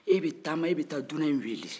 e b'i taama e bɛ taa dunan fɛ yen de